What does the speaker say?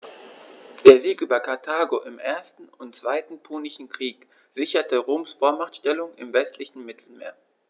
Der Sieg über Karthago im 1. und 2. Punischen Krieg sicherte Roms Vormachtstellung im westlichen Mittelmeer.